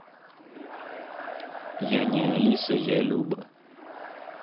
я не алиса я люба